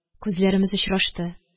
Күзләремез очрашты